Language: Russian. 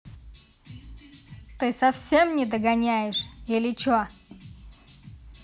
ты совсем не догоняешь или че